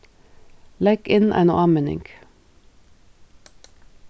legg inn eina áminning